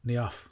Ni off.